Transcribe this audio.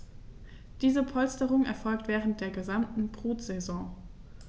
Diese Polsterung erfolgt während der gesamten Brutsaison.